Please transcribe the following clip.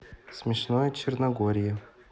смешное черногорье